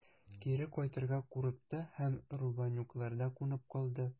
Кире кайтырга курыкты һәм Рубанюкларда кунып калды.